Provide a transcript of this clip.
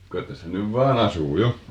kyllä tässä nyt vain asuu jo